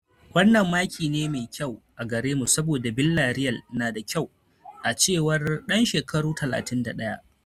"Wannan maki ne mai kyau a gare mu saboda Villarreal na da kyau," a cewar dan shekaru 31.